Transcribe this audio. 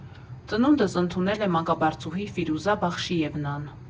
Ծնունդս ընդունել է մանկաբարձուհի Ֆիրուզա Բախշիևնան։